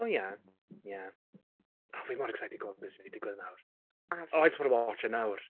O ie, ie. O, fi mor excited i gweld be sy'n mynd i digwydd nawr... A fi. ...O I just want to watch it nawr!